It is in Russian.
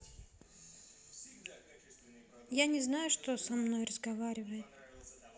я не знаю что со мной разговаривает